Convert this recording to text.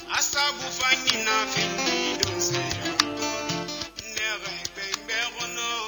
A sago fa hinɛ na feere ne bɛ kɔnɔ